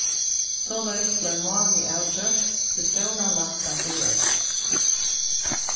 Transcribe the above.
soleiðis bleiv málið avgjørt til stóran lætta fyri øll